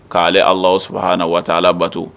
K'ale Alahu sabaha wataala bato